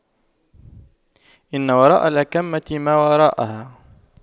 إن وراء الأَكَمةِ ما وراءها